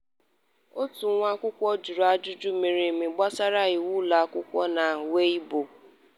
Otu nwa akwụkwọ jụrụ ajụjụ miri emi gbasara iwu ụlọakwụkwọ na Weibo: